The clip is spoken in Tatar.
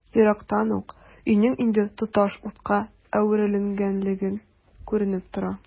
Ерактан ук өйнең инде тоташ утка әверелгәнлеге күренеп тора.